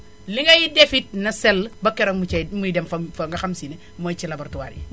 li ngay def it na sell ba keroog mu cay muy dem fa mu fa nga xam si ne mooy ci laboratoire yi